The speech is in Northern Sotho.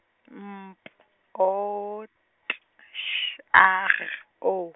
M P O T Š A G O.